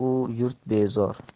el u yurt bezor